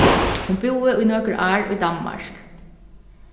hon búði í nøkur ár í danmark